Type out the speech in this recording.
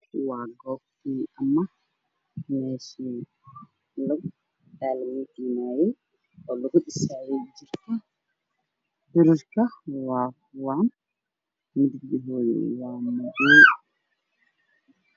Waa goobtii amo meeshii lagu dhisaayay jirka